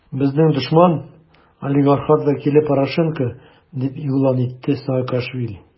Безнең дошман - олигархат вәкиле Порошенко, - дип игълан итте Саакашвили.